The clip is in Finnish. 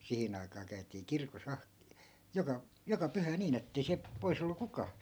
siihen aikaan käytiin kirkossa - joka joka pyhä niin että ei sieltä pois ollut kukaan